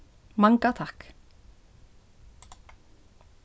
manga takk